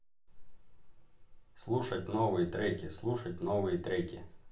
слушать новые треки слушать новые треки